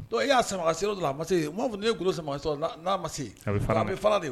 Dɔn e y'a sama a sira la a ma se' fɔ ye kulu sama sɔrɔ n'a ma se a bɛ de